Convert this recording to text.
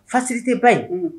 Fasiri tɛ ban yen